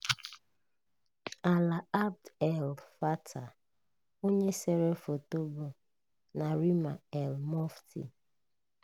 Alaa Abd El Fattah, onye sere foto bụ Nariman El-Mofty.